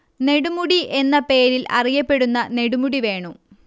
നെടുമുടി എന്ന പേരിൽ അറിയപ്പെടുന്ന നെടുമുടി വേണു